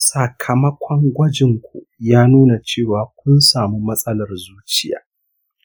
sakamakon gwajinku ya nuna cewa kun samu matsalar zuciya